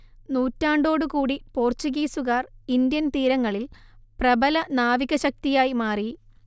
നൂറ്റാണ്ടോടുകൂടി പോർച്ചുഗീസുകാർ ഇന്ത്യൻതീരങ്ങളിൽ പ്രബല നാവികശക്തിയായി മാറി